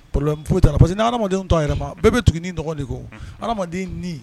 P foyi parce que adamadamadenw tɔgɔ yɛrɛ ma bɛɛ bɛ tugu ni dɔgɔnin de ko ni